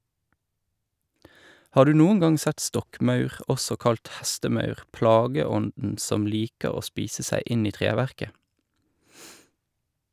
Har du noen gang sett stokkmaur, også kalt hestemaur, plageånden som liker å spise seg inn i treverket?